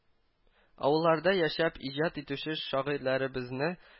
Авылларда яшәп иҗат итүче шагыйрьләребезне